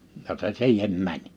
ja se siihen meni